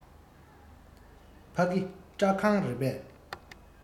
ཕ གི སྐྲ ཁང རེད པས